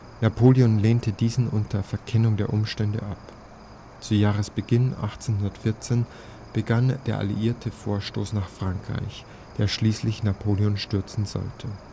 Napoleon lehnte diesen unter Verkennung der Umstände ab. Zu Jahresbeginn 1814 begann der alliierte Vorstoß nach Frankreich, der schließlich Napoleon stürzen sollte